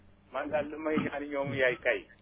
man daal lu may ** yay kay